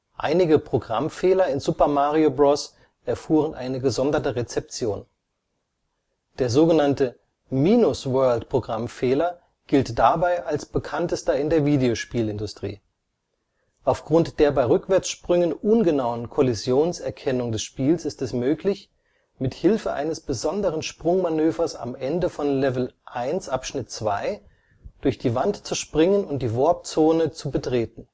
Einige Programmfehler („ Glitches “) in Super Mario Bros. erfuhren eine gesonderte Rezeption. Der sogenannte „ Minus-World “- Glitch gilt dabei als bekanntester Programmfehler in der Videospielindustrie. Aufgrund der bei Rückwärtssprüngen ungenauen Kollisionserkennung des Spiels ist es möglich, mithilfe eines besonderen Sprungmanövers am Ende von Level 1-2 durch die Wand zu springen und die Warp Zone zu betreten